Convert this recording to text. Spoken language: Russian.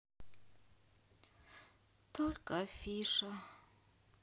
только афиша